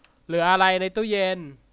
เหลืออะไรในตู้เย็น